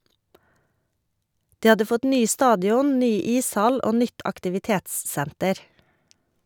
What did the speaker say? De hadde fått ny stadion, ny ishall og nytt aktivitets-senter.